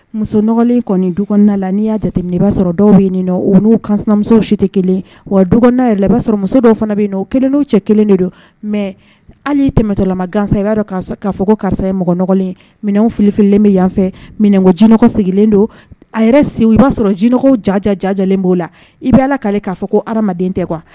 Muson kɔni du la n'i y'a jate i b'a sɔrɔ dɔw bɛ nin u n'u kanmuso si tɛ kelen wa du yɛrɛ i b'a sɔrɔ muso dɔw fana bɛ yen' o kelen cɛ kelen de don mɛ hali tɛmɛtɔlama gansa i b'a karisa k'a fɔ ko karisa ye mɔgɔ nɔgɔ minɛn filifilen bɛ yanfɛ minɛnko jinɛɔgɔ sigilen don a yɛrɛ i b'a sɔrɔ jiɔgɔ jaja jajɛlen b'o la i bɛ ala la k'ale k'a fɔ ko haden tɛ kuwa